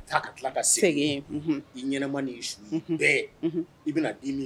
Taa ka tila ka sɛnɛ i ɲɛnaɛnɛma nin bɛɛ i bɛna di min